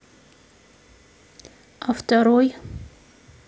а второй